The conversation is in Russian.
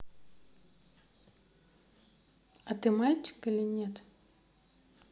а ты мальчик или нет